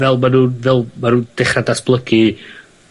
fel ma' nw'n fel ma' nw'n dechra datblygu